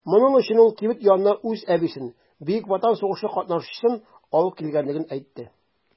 Моның өчен ул кибет янына үз әбисен - Бөек Ватан сугышы катнашучысын алып килгәнлеген әйтте.